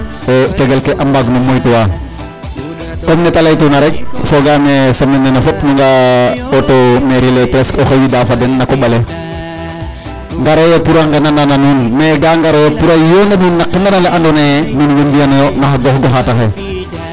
Cegel ke a mbagin o moytuwaa comme ne ta leytuna rek foogaam ee nu nga'a semaine nene fop auto mairie le presque oxey widaa fo den na koƥ ale ngareeyo pour a nqendanan a nuun mais ga ngarooyo pour a yoon a nuun na qendan ale andoona yee nuun wey mbi'anooyo na xa goxgoxaat axe.